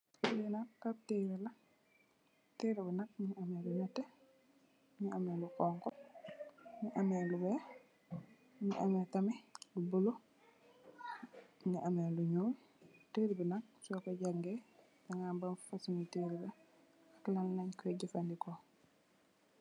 Li nak ab teereh la, teereh bi nak mungi am lu nètè, mungi ameh lu honku, mungi ameh lu weeh, mungi ameh tamit lu bulo, mungi ameh lu ñuul. Tereeh bi nak soko jàngay daga ham ban fasungi tereeh la ak lan leen koy jafadeko.